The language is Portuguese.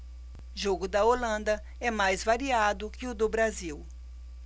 jogo da holanda é mais variado que o do brasil